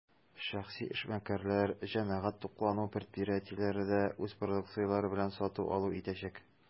Шәхси эшмәкәрләр, җәмәгать туклануы предприятиеләре дә үз продукцияләре белән сату-алу итәчәк.